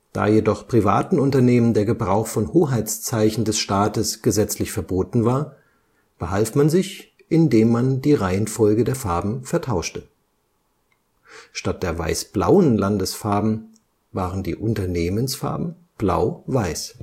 Da jedoch privaten Unternehmen der Gebrauch von Hoheitszeichen des Staates gesetzlich verboten war, behalf man sich, indem man die Reihenfolge der Farben vertauschte. Statt der weiß-blauen Landesfarben waren die Unternehmensfarben blau-weiß